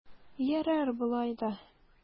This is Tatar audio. Ярар болай да!